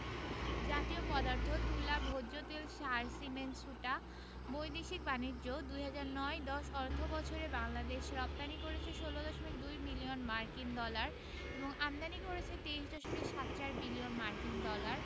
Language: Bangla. জাতীয় পদার্থ তুলা ভোজ্যতেল সার সিমেন্ট সুটা বৈদেশিক বাণিজ্যঃ ২০০৯ ১০ অর্থবছরে বাংলাদেশ রপ্তানি করেছে ১৬দশমিক ২ মিলিয়ন মার্কিন ডলার এবং আমদানি করেছে ২৩দশমিক সাত চার বিলিয়ন মার্কিন ডলার